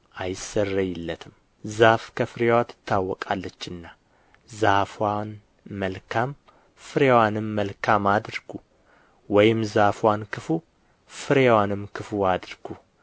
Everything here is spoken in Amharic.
አይሰረይለትም ዛፍ ከፍሬዋ ትታወቃለችና ዛፍዋን መልካም ፍሬዋንም መልካም አድርጉ ወይም ዛፍዋን ክፉ ፍሬዋንም ክፉ አድርጉ